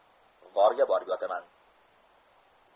g'orga borib yotaman